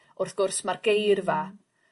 Wrth gwrs mae'r geirfa